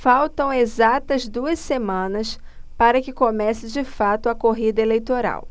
faltam exatas duas semanas para que comece de fato a corrida eleitoral